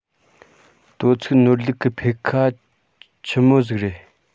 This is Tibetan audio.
དོ ཚིགས ནོར ལུག གི འཕེས ཁ ཆི མོ ཟིག རེད